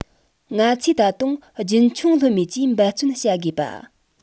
ང ཚོས ད དུང རྒྱུན འཁྱོངས ལྷོད མེད ཀྱིས འབད བརྩོན བྱ དགོས པ